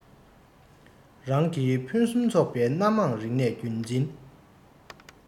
རང གི ཕུན སུམ ཚོགས པའི སྣ མང རིག གནས རྒྱུན འཛིན